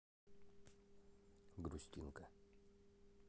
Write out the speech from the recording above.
грустинка